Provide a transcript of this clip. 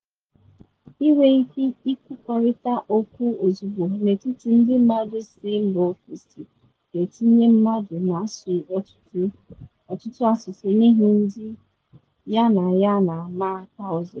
Ịnwe ike ikwukọrịta okwu ozugbo n’etiti ndị mmadụ si mba ofesi ga-etinye mmadụ na asụ ọtụtụ asụsụ n’ihu ndị ya na ya na ama aka ozugbo.